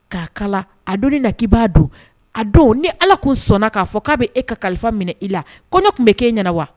K'a kala a don na k'i b'a don a don ni ala' sɔnna k'a fɔ k'a bɛ e ka kalifa minɛ i la kɔɲɔ tun bɛ k' e ɲɛna wa